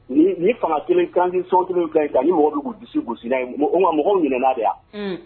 Ni ni fanga kelen kan sɔn kelen kan in nka ni mɔgɔ b' dususi gosisiina yen u ka mɔgɔw minɛ de yan